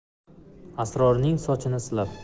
asrorning sochini silab